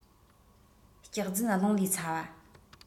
སྐྱག རྫུན རླུང ལས ཚ བ